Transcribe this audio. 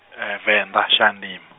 Venḓa, Shayandima.